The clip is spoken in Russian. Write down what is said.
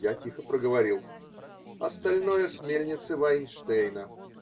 Я тихо проговорил: -- Остальное с мельницы Вайнштейна.